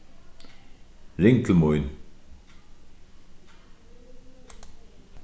ring til mín